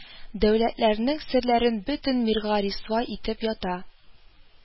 Дәүләтләрнең серләрен бөтен мирга рисвай итеп ята